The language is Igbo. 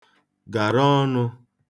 gàra ọnụ̄